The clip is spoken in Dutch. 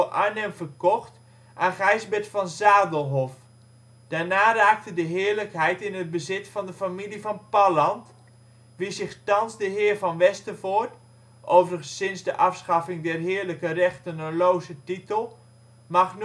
Arnhem verkocht aan Gijsbert van Zadelhoff. Daarna raakte de Heerlijkheid in het bezit van de familie van Pallandt. Wie zich thans Heer van Westervoort (overigens sinds de afschaffing der Heerlijke rechten een loze titel) mag